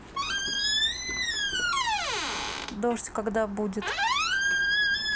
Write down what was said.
дождь когда будет